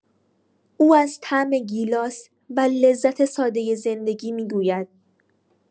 او از طعم گیلاس و لذت سادۀ زندگی می‌گوید.